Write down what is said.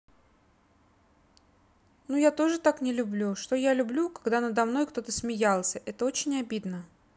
ну я тоже так не люблю что я люблю когда надо мной кто то смеется это очень обидно